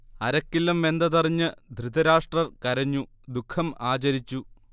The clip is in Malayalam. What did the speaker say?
അരക്കില്ലം വെന്തതറിഞ്ഞ് ധൃതരാഷ്ട്രർ കരഞ്ഞു; ദുഃഖം ആചരിച്ചു